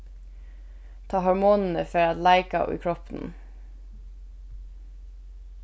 tá hormonini fara at leika í kroppinum